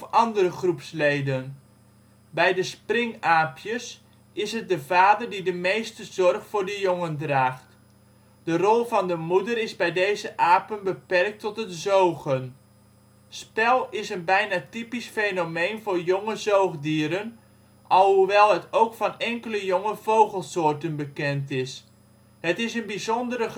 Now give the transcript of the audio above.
andere groepsleden. Bij de springaapjes (Callicebus) is het de vader die de meeste zorg voor de jongen draagt. De rol van de moeder is bij deze apen beperkt tot het zogen. Spel is een bijna typisch fenomeen voor jonge zoogdieren, alhoewel het ook van enkele jonge vogelsoorten bekend is. Het is een bijzondere gedragsvorm